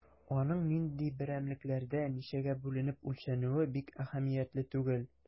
Аның нинди берәмлекләрдә, ничәгә бүленеп үлчәнүе бик әһәмиятле түгел.